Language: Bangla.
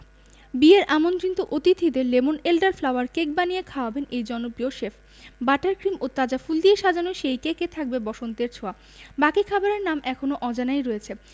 বিয়ের আমন্ত্রিত অতিথিদের লেমন এলডার ফ্লাওয়ার কেক বানিয়ে খাওয়াবেন এই জনপ্রিয় শেফ বাটার ক্রিম ও তাজা ফুল দিয়ে সাজানো সেই কেকে থাকবে বসন্তের ছোঁয়া বাকি খাবারের নাম এখনো অজানাই রয়েছে